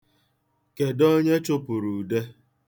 Kedụ onye chụpụrụ Ude?